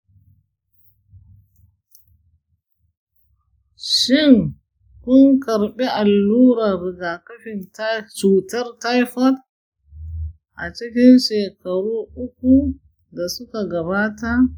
shin kun karɓi allurar rigakafin cutar taifot a cikin shekaru uku da suka gabata?